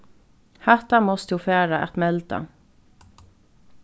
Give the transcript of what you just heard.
hatta mást tú fara at melda